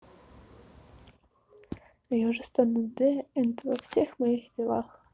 я уже стану d and во всех моих делах